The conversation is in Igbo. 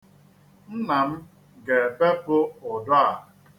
Nna m ga-ebepụ ụdọ a.